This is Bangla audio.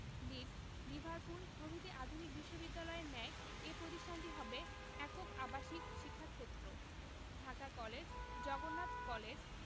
লিডস লিভারপুল প্রভৃতি আধুনিক বিশ্ববিদ্যালয়ের ন্যায় এ প্রতিষ্ঠানটি হবে একক আবাসিক শিক্ষাক্ষেত্র ঢাকা কলেজ জগন্নাথ কলেজ